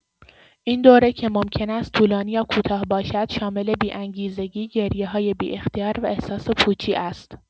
این دوره که ممکن است طولانی یا کوتاه باشد، شامل بی‌انگیزگی، گریه‌های بی‌اختیار و احساس پوچی است.